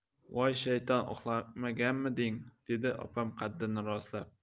voy shayton uxlamaganmiding dedi opam qaddini rostlab